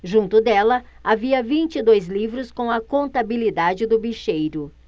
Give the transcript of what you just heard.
junto dela havia vinte e dois livros com a contabilidade do bicheiro